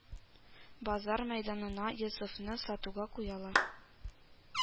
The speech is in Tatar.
Базар мәйданына Йосыфны сатуга куялар